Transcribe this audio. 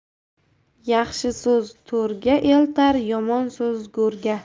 yaxshi so'z to'rga eltar yomon so'z go'rga